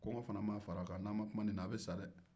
kɔngɔ fana mana fara b'a kan n'a ma kuma ninna a bɛ sa dɛɛ